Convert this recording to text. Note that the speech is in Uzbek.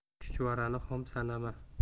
chuchvarani xom sanama